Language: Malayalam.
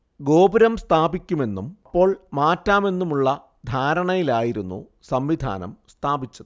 ഗോപുരം സ്ഥാപിക്കുമെന്നും അപ്പോൾ മാറ്റാമെന്നുമുള്ള ധാരണയിലായിരുന്നു സംവിധാനം സ്ഥാപിച്ചത്